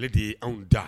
Ale de ye y' da